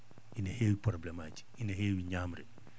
ene heewi probléme aji ene heewi ñaamre